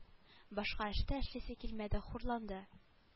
Башка эштә эшлисе килмәде хурланды